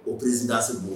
O k'i n'sin mun